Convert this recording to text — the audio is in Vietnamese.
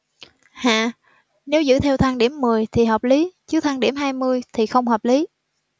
hạ nếu giữ theo thang điểm mười thì hợp lý chứ thang điểm hai mươi thì không hợp lý